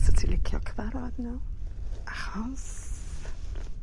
Sa ti'n licio cyfarod n'w? Achos